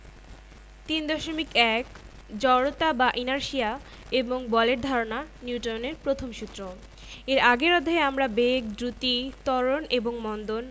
৩.১ জড়তা বা ইনারশিয়া এবং বলের ধারণা নিউটনের প্রথম সূত্র এর আগের অধ্যায়ে আমরা বেগ দ্রুতি ত্বরণ এবং মন্দন